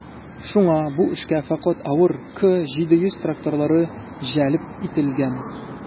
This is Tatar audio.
Шуңа бу эшкә фәкать авыр К-700 тракторлары җәлеп ителгән.